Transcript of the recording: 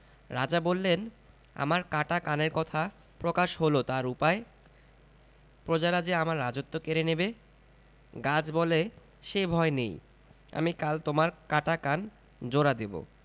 রাজা বললেন আমার কাটা কানের কথা প্রকাশ হল তার উপায় প্রজারা যে আমার রাজত্ব কেড়ে নেবে গাছ বলে সে ভয় নেই আমি কাল তোমার কাটা কান জোড়া দেব